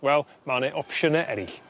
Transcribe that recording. wel ma' 'ne opsiyne eryll